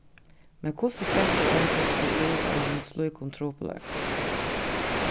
men hvussu sleppur ein burtur úr einum slíkum trupulleika